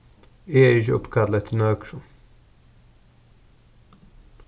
eg eri ikki uppkallað eftir nøkrum